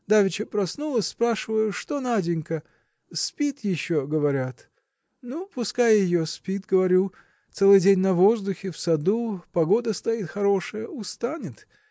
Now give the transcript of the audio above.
– Давеча проснулась, спрашиваю, что Наденька? Спит еще, говорят. – Ну пускай ее спит говорю целый день на воздухе – в саду погода стоит хорошая устанет.